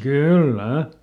kyllä